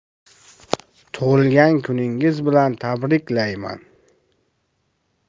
tug'ilgan kuningiz bilan tabriklayman